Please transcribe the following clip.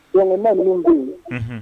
Nka ma' ye